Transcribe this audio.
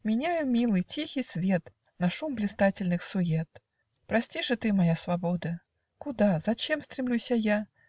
Меняю милый, тихий свет На шум блистательных сует. Прости ж и ты, моя свобода! Куда, зачем стремлюся я?